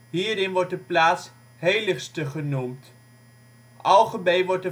Hierin wordt de plaats Heliste genoemd. Algemeen wordt